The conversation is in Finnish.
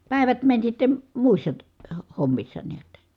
päivät meni sitten muissa -- hommissa näet